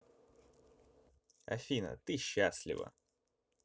афина ты счастлива